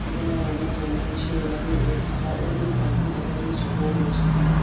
An gaya wa mazaunan cewa zai ɗauki sa’o’i kafin a bari su koma ciki.